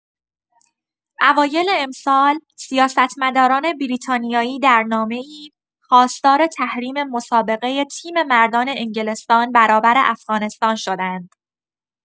اوایل امسال، سیاستمداران بریتانیایی در نامه‌ای، خواستار تحریم مسابقه تیم مردان انگلستان برابر افغانستان شدند.